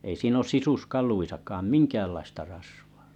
ei siinä ole sisuskaluissakaan minkäänlaista rasvaa